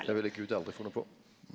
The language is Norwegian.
det ville gud aldri funne på.